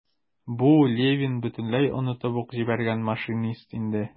Бу - Левин бөтенләй онытып ук җибәргән машинист иде.